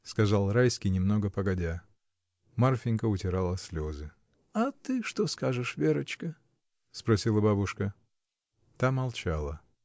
— сказал Райский, немного погодя. Марфинька утирала слезы. — А ты что скажешь, Верочка? — спросила бабушка. Та молчала.